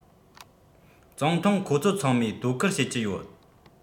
ཙུང ཐུང ཁོ ཚོ ཚང མས དོ ཁུར བྱེད ཀྱི ཡོད